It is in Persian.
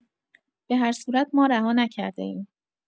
به هر صورت ما رها نکرده‌ایم!